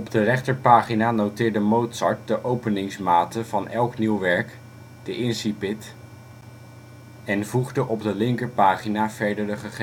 de rechterpagina noteerde Mozart de openingsmaten van elk nieuw werk (de incipit) en voegde op de linkerpagina verdere